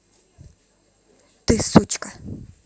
ты сучка